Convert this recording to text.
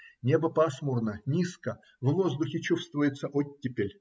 Небо пасмурно, низко; в воздухе чувствуется оттепель.